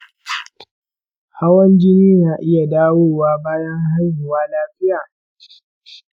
hawan jini na iya dawowa bayan haihuwa lafiya?